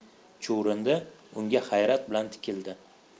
chuvrindi unga hayrat bilan tikildi